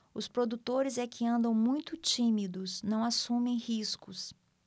os produtores é que andam muito tímidos não assumem riscos